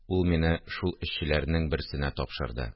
Ул мине шул эшчеләрнең берсенә тапшырды